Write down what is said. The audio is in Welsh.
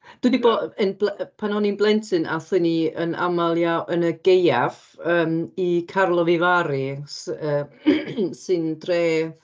Dwi 'di bod yn ble-... pan o'n i'n blentyn aethon ni yn aml iaw- yn y Gaeaf yym i Carlo Vivari s- yy sy'n dref...